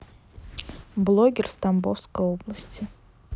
блогер с тамбовской области